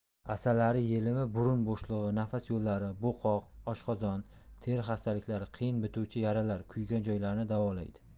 asalari yelimi burun bo'shlig'i nafas yo'llari bo'qoq oshqozon teri xastaliklari qiyin bituvchi yaralar kuygan joylarni davolaydi